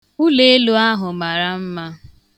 Ụleelu ahụ mara mma.